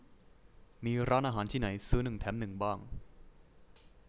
มีร้านอาหารที่ไหนซื้อหนึ่งแถมหนึ่งบ้าง